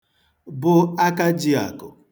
bụ akajīàkụ̀